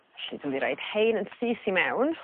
felly dwi myn' i roid 'hein yn syth i mewn.